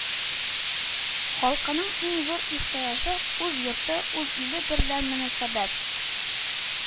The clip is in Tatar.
Халкының иң зур ихтыяҗы: үз йорты, үз иле берлән мөнәсәбәт